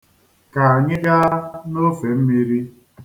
Ka anyị gaa n'ofemimiri.